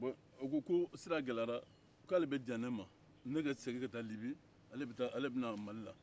bon o ko ko sira gɛlɛyara k'ale bɛ diɲɛ ne ma ne ka segin ka taa libi ale bɛ na mali la